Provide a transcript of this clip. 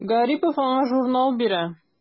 Гарипов аңа журнал бирә.